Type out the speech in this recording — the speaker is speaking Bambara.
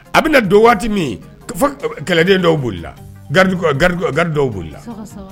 A bena don waati min fo kɛlɛden dɔw bolila garde kɔ garde kɔ garde dɔw bolila sɔgɔ-sɔgɔ